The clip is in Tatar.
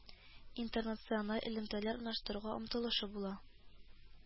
Интернациональ элемтәләр урнаштыруга омтылышы була